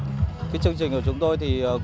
cái chương trình của chúng tôi thì